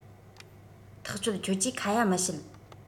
ཐག ཆོད ཁྱོད ཀྱིས ཁ ཡ མི བྱེད